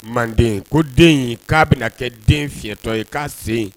Manden ko den in k'a bɛna kɛ den fiyɛtɔ ye k'a sen